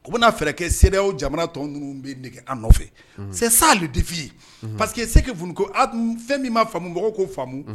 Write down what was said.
U bɛna'a fɛɛrɛ kɛ sew jamanatɔn ninnu bɛ nɛgɛ an nɔfɛ definye pa que se fku fɛn min ma faamumubagaw ko faamumu